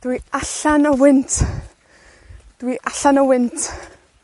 Dwi allan o wynt, dw i allan o wynt.